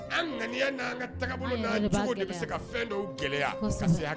An ŋaniya n' ka bɛ se ka fɛn dɔw gɛlɛya